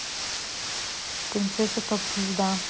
принцесса топ звезда